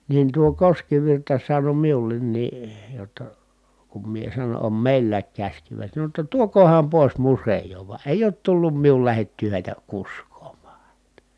niin tuo Koskivirta sanoi minullekin jotta kun minä sanon on meilläkin käsikivet sanoi jotta tuokaahan pois museoon vaan ei ole tullut minun lähettyä heitä kuskaamaan häntä